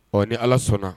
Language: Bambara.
Ɔ ni ala sɔnna